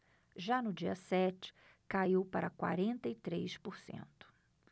já no dia sete caiu para quarenta e três por cento